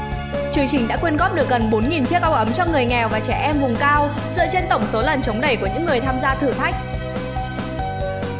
chương trình đã quyên góp được gần chiếc áo ấm cho người nghèo và trẻ em vùng cao dựa trên tổng số lần chống đẩy của những người tham gia thử thách